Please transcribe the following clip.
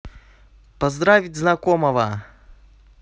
поздравить знакомого